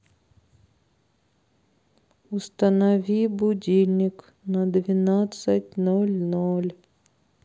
установи будильник на двенадцать ноль ноль